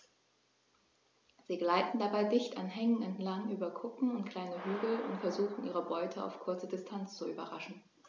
Sie gleiten dabei dicht an Hängen entlang, über Kuppen und kleine Hügel und versuchen ihre Beute auf kurze Distanz zu überraschen.